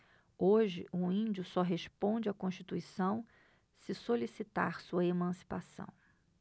hoje o índio só responde à constituição se solicitar sua emancipação